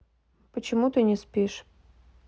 почему ты не спишь